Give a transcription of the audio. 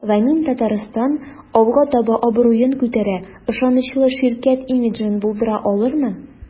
"вамин-татарстан” алга таба абруен күтәрә, ышанычлы ширкәт имиджын булдыра алырмы?